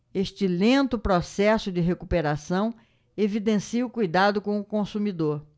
este lento processo de recuperação evidencia o cuidado com o consumidor